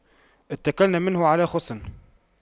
اتَّكَلْنا منه على خُصٍّ